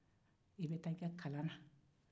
i bɛ taa i ka kalan na